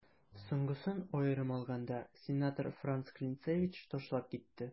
Соңгысын, аерым алганда, сенатор Франц Клинцевич ташлап китте.